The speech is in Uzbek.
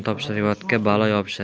topishar yotga balo yopishar